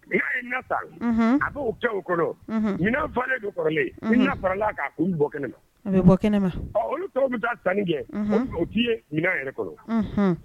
N' ta a bɛ kɛ kɔnɔ falenlen don kɔrɔlenina fara''u bɔ kɛnɛ ma bɔ kɛnɛ olu tɔw bɛ taa sanni kɛ o k'i ye ɲin yɛrɛ kɔnɔ